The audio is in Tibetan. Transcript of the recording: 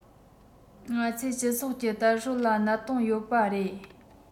ང ཚོས སྤྱི ཚོགས ཀྱི དར སྲོལ ལ གནད དོན ཡོད པ རེད